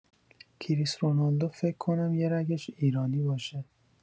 کریس رونالدو فک کنم یه رگش ایرانی باشه.